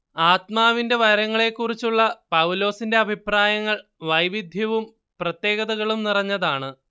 ആത്മാവിന്റെ വരങ്ങളെക്കുറിച്ചുള്ള പൗലോസിന്റെ അഭിപ്രായങ്ങൾ വൈവിദ്ധ്യവും പ്രത്യേകതകളും നിറഞ്ഞതാണ്